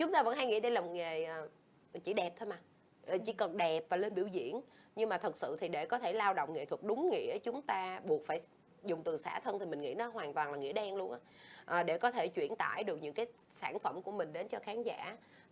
chúng ta vẫn hay nghĩ đến làm nghề chỉ đẹp thôi mà chỉ cần đẹp và lên biểu diễn nhưng mà thật sự thì để có thể lao động nghệ thuật đúng nghĩa chúng ta buộc phải dùng từ sã thân thì mình nghĩ nó hoàn toàn là nghĩa đen luôn á để có thể chuyển tải được những cái sản phẩm của mình đến cho khán giả